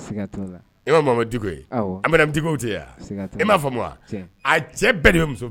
E man Muhamɛdi Diko ye Dikow tɛ ye wa a cɛ bɛɛ de